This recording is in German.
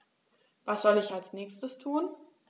Was soll ich als Nächstes tun?